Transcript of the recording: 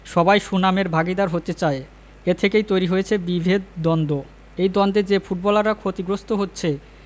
সবাই সুনামের ভাগীদার হতে চায় এ থেকেই তৈরি হয়েছে বিভেদ দ্বন্দ্ব এই দ্বন্দ্বে যে ফুটবলাররা ক্ষতিগ্রস্ত হচ্ছে